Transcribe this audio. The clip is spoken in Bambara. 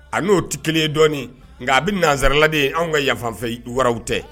A n'o tɛ kelen ye dɔɔnin nka a bɛ nanzsaraladen ye anw ka yafafɛ wararaw tɛ